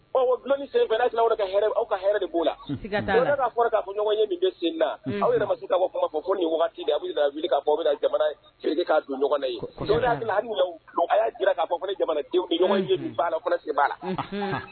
Ɔ du sen tila ka aw kaɛrɛ de b'o la fɔra k'a fɔ ɲɔgɔn ye min bɛ sen na aw yɛrɛ ma se' fɔ fɔ fo nin wagati da a wili don a y'a jira ka bɔ' la sen la